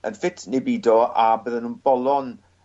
yn fit neu bido a bydden nw'n bolon